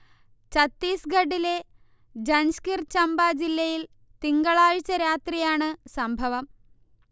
ചത്തീസ്ഗഢിലെ ജഞ്ച്ഗിർ ചമ്പ ജില്ലയിൽ തിങ്കളാഴ്ച്ച രാത്രിയാണ് സംഭവം